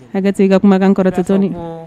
Hakɛto i ka kumakan kɔrɔtan dɔɔnin.